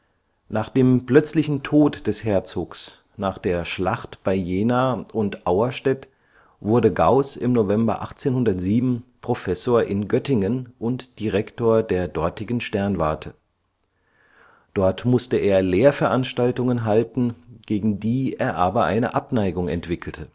Nach dem plötzlichen Tod des Herzogs nach der Schlacht bei Jena und Auerstedt wurde Gauß im November 1807 Professor in Göttingen und Direktor der dortigen Sternwarte. Dort musste er Lehrveranstaltungen halten, gegen die er aber eine Abneigung entwickelte